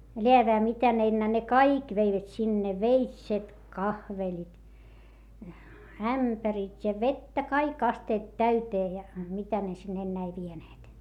läävään mitä ne enää ne kaikki veivät sinne veitset kahvelit ämpärit ja vettä kaikki astiat täyteen ja mitä ne sinne enää ei vieneet